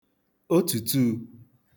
otùtuū